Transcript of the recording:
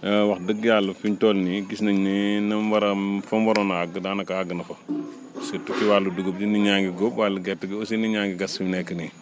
wax dëgg yàlla fi mu toll nii gis nañ ni ni mu war a fa mu waroon a àgg daanaka àgg na fa surtout ci wàllu dugub nit ñaa ngi góob wàll gerte gi aussi nit ñaa ngi gas fi mu nekk nii